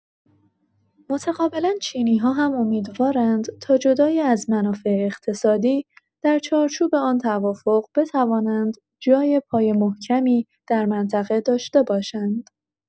متقابلا چینی‌ها هم امیدوارند تا جدای از منافع اقتصادی، در چارچوب آن توافق بتوانند جای پای محکمی در منطقه داشته باشند.